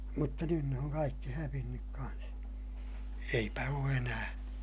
mutta nyt ne on kaikki hävinnyt kanssa eipä ole enää